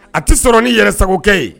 A tɛ sɔrɔ ni yɛrɛsakɛ ye